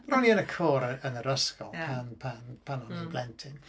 Ro'n ni yn y côr y- yn yr ysgol pan pan pan o'n i'n blentyn.